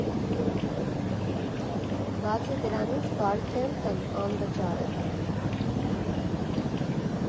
Բացի դրանից Բարքեմփն անվճար է։